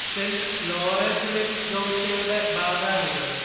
saint Laurent Rive ഗൌഷേയുടെ ബാഗാണ് ഇത്